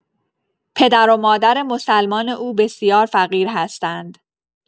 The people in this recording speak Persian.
پدر و مادر مسلمان او بسیار فقیر هستند.